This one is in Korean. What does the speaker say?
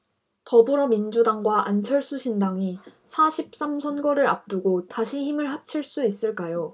더불어민주당과 안철수 신당이 사 십 삼 선거를 앞두고 다시 힘을 합칠 수 있을까요